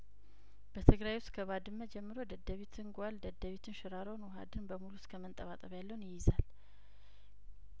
በትግራይ ውስጥ ከባድመ ጀምሮ ደደቢትንጓል ደደቢትን ሸራሮን ወሀደን በሙሉ እስከ መንጠባጠብ ያለውን ይይዛል